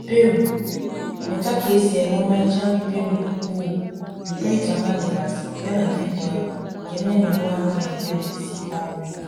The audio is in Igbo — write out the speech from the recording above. Peru – Mụta ka esi eme ọmarịcha nri Peru bụ kpoo, nrị tamale gasị yana vidiyo a nke nne na nwa nwaanyị ya na-esi kọ nri.